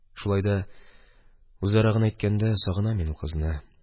Шулай да, үзара гына әйткәндә, сагынам мин ул кызны